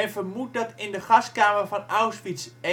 vermoedt dat in de gaskamer van Auschwitz